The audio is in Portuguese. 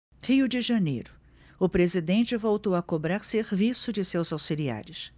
rio de janeiro o presidente voltou a cobrar serviço de seus auxiliares